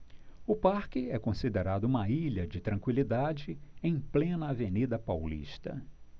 o parque é considerado uma ilha de tranquilidade em plena avenida paulista